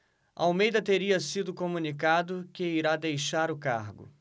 almeida teria sido comunicado que irá deixar o cargo